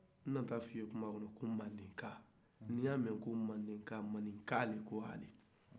n'ya f'i ye kuma kɔnɔ ko mandenka n'i ya mɛ ko mandenka maninka de ko don